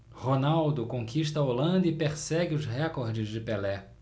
ronaldo conquista a holanda e persegue os recordes de pelé